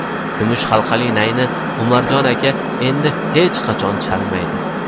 kumush halqali nayni umarjon aka endi hech qachon chalmaydi